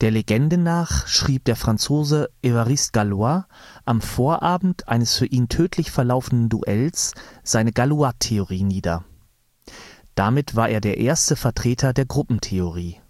Legende nach schrieb der Franzose Évariste Galois am Vorabend eines für ihn tödlich verlaufenen Duells seine Galoistheorie nieder. Damit war er der erste Vertreter der Gruppentheorie